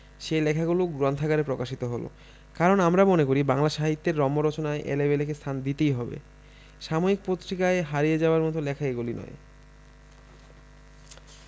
সেই লেখাগুলি গ্রন্থাকারে প্রকাশিত হল কারণ আমরা মনে করি বাংলা সাহিত্যের রম্য রচনায় এলেবেলে' কে স্থান দিতেই হবে সাময়িক পত্রিকায় হারিয়ে যাবার মত লেখা এগুলি নয়